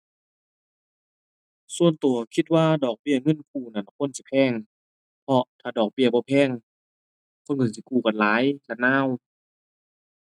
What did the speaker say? ส่วนตัวคิดว่าดอกเบี้ยเงินกู้นั่นควรสิแพง เพราะถ้าดอกเบี้ยบ่แพงคนตัวสิกู้กันหลาย ระนาว